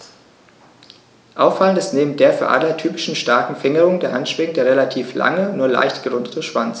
Auffallend ist neben der für Adler typischen starken Fingerung der Handschwingen der relativ lange, nur leicht gerundete Schwanz.